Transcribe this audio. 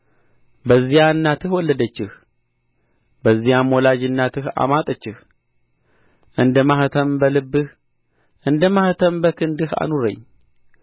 በዚያ እናትህ ወለደችህ በዚያም ወላጅ እናትህ አማጠችህ እንደ ማኅተም በልብህ እንደ ማኅተም በክንድህ አኑረኝ